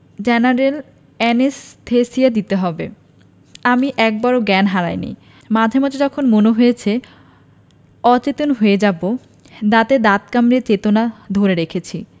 general anaesthesia দিতে হবে আমি একবারও জ্ঞান হারাইনি মাঝে মাঝে যখন মনে হয়েছে অচেতন হয়ে যাবো দাঁতে দাঁত কামড়ে চেতনা ধরে রেখেছি